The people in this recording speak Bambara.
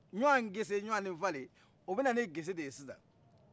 ɲɔgɔn gese jɔgɔn fale u bɛna ni gese de ye sisan